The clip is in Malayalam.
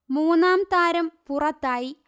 മൂന്നാം താരം പുറത്തായി